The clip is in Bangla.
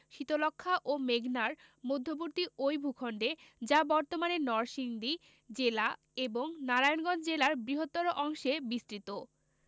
শীতলক্ষ্যা ও মেঘনার মধ্যবর্তী ওই ভূখন্ডে যা বর্তমানে নরসিংদী জেলা এবং নারায়ণগঞ্জ জেলার বৃহত্তর অংশে বিস্তৃত